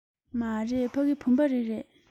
མ རེད ཕ གི བུམ པ རི རེད